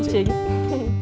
chín